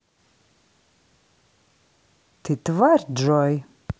ты тварь джой